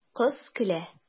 Кыз көлә.